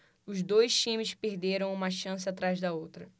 os dois times perderam uma chance atrás da outra